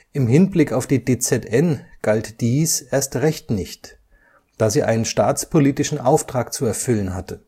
im Hinblick auf die DZN galt dies erst recht nicht, da sie einen staatspolitischen Auftrag zu erfüllen hatte